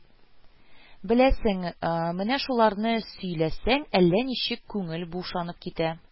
Беләсең, менә шуларны сөйләсәң, әллә ничек күңел бушанып китә